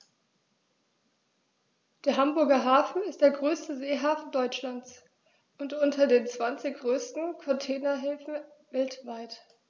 Der Hamburger Hafen ist der größte Seehafen Deutschlands und unter den zwanzig größten Containerhäfen weltweit.